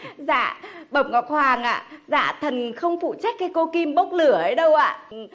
dạ bẩm ngọc hoàng ạ dạ thần không phụ trách cái cô kim bốc lửa đấy đâu ạ